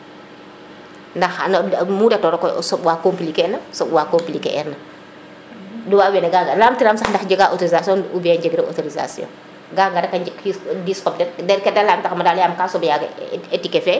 ndax mu retona koy o soɓwa compliquer na soɓ wa compliqué erna dumbaɓ we ga ngar lm tiram sax ndax jega autorisation ou bien jegiro autorisation ga ngar rek a njik 10 xob den den kede lam taxa ma daal yam ka soɓ yaga étiquette fe